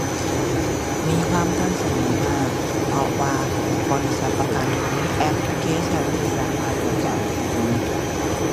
มีความทันสมัยมาก เพราะว่าบริษัทประกันเขามีแอปพลิเคชันที่สามารถตรวจสอบได้ดี